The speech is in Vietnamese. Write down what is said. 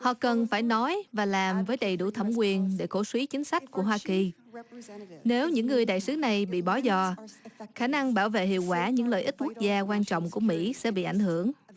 họ cần phải nói và làm với đầy đủ thẩm quyền để cổ súy chính sách của hoa kỳ nếu những người đại sứ này bị bỏ giò khả năng bảo vệ hiệu quả những lợi ích quốc gia quan trọng của mỹ sẽ bị ảnh hưởng